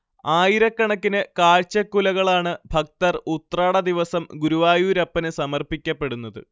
ആയിരക്കണക്കിന് കാഴ്ചക്കുലകളാണ് ഭക്തർ ഉത്രാടദിവസം ഗുരുവായൂരപ്പനു സമർപ്പിക്കപെടുന്നത്